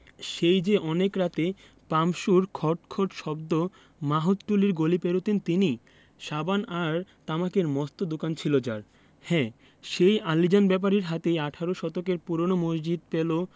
সেই যে অনেক রাতে পাম্পসুর খট খট শব্দ মাহুতটুলির গলি পেরুতেন তিনি সাবান আর তামাকের মস্ত দোকান ছিল যার হ্যাঁ সেই আলীজান ব্যাপারীর হাতেই আঠারো শতকের পুরোনো মসজিদ পেল